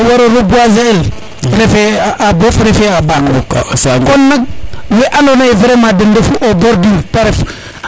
a waro reboiser el refe a Mbof refe a Mbako kon nak we ando naye den ndef au bord du route te ref